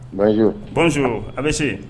Zo a bɛ se